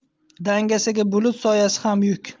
dangasaga bulut soyasi ham yuk